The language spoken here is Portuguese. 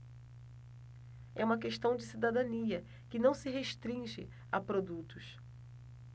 é uma questão de cidadania que não se restringe a produtos